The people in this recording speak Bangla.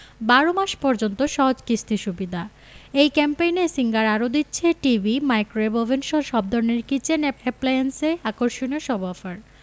১২ মাস পর্যন্ত সহজ কিস্তি সুবিধা এই ক্যাম্পেইনে সিঙ্গার আরো দিচ্ছে টিভি মাইক্রোওয়েভ ওভেনসহ সব ধরনের কিচেন অ্যাপ্লায়েন্সে আকর্ষণীয় সব অফার